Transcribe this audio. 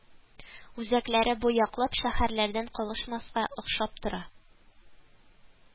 Үзәкләре бу яклап шәһәрләрдән калышмаска охшап тора